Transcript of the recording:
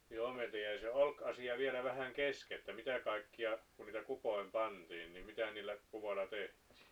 joo meiltä jäi se olkiasia vielä vähän kesken että mitä kaikkia kuin niitä kupoihin pantiin niin mitä niillä kuvoilla tehtiin